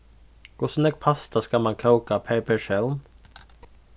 hvussu nógv pasta skal mann kóka per persón